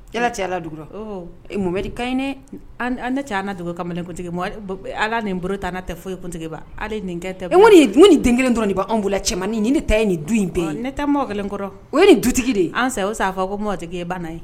Yala cɛ ala dugu mo wɛrɛri kaɲ an cɛ an dugu kamalenkuntigi ala nin bolo ta' tɛ foyi yetigiba ala nin kɛ tɛ nin ni den kelen dɔrɔn nin b anw bolo cɛmanmaninin ɲini ne ta ye nin du in bɛɛ ne taa mɔgɔ kelen kɔrɔ o ye nin dutigi de ansa o sa fɔ ko mɔ tigi e banna' ye